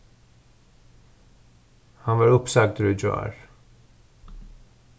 hann varð uppsagdur í gjár